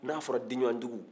n'a fɔra den ɲwan dugu